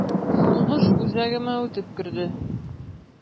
Сугыш үзәгемә үтеп керде...